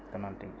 ko noon tigii